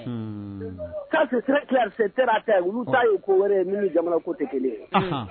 Ki' ko wɛrɛ jamana ko tɛ kelen